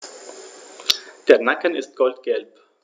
Der Nacken ist goldgelb.